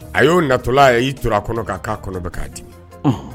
A y'o natɔla ye a y'i toro a kɔnɔ kan k'a kɔnɔ bɛ k'a dimi